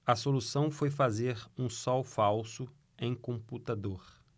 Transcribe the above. a solução foi fazer um sol falso em computador